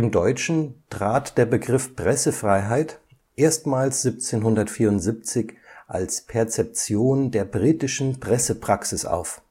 Deutschen trat der Begriff Pressefreiheit erstmals 1774 als Perzeption der britischen Pressepraxis auf